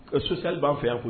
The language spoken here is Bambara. Ka sosali b'a fɛ yan kuwa